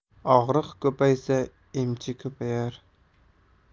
og'riq ko'paysa emchi ko'payar